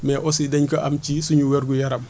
mais aussi dañ ko am ci suñu wér gu yaram